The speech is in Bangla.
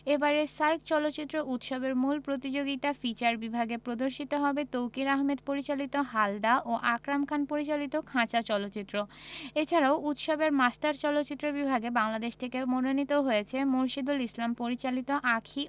এবারের সার্ক চলচ্চিত্র উৎসবের মূল প্রতিযোগিতা ফিচার বিভাগে প্রদর্শিত হবে তৌকীর আহমেদ পরিচালিত হালদা ও আকরাম খান পরিচালিত খাঁচা চলচ্চিত্র এছাড়াও উৎসবের মাস্টার চলচ্চিত্র বিভাগে বাংলাদেশ থেকে মনোনীত হয়েছে মোরশেদুল ইসলাম পরিচালিত আঁখি